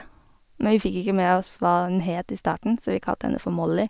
Men vi fikk ikke med oss hva hun het i starten, så vi kalte henne for Molly.